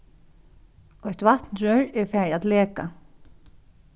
eitt vatnrør er farið at leka